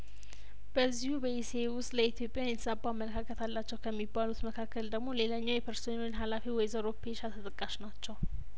በዚሁ በኢሲኤ ውስጥ ለኢትዮጵያን የተዛባ አመለካከት አላቸው ከሚባሉት መካከል ደግሞ ሌላኛዋ የፐርሶኔል ሀላፊ ወይዘሮ ፔሻ ተጠቃሽ ናቸው